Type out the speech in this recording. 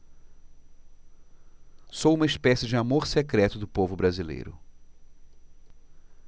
sou uma espécie de amor secreto do povo brasileiro